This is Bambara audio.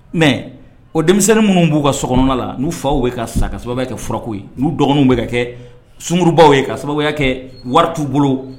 Mais o denmisɛnnin munnu b'u ka sɔkɔnɔna la n'u faw be ka sa k'a sababuya kɛ fura ko ye n'u dɔgɔninw be ka kɛɛ suŋurubaw ye ka sababu kɛ wɔri t'u bolo